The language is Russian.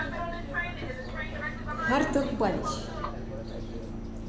артур бабич